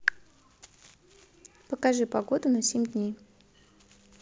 покажи погоду на семь дней